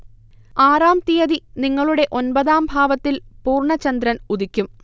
ആറാം തീയതി നിങ്ങളുടെ ഒൻപതാം ഭാവത്തിൽ പൂർണ്ണ ചന്ദ്രൻ ഉദിക്കും